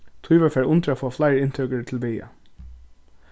tí var farið undir at fáa fleiri inntøkur til vega